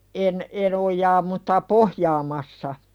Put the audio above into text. en en ojaa mutta pohjaamassa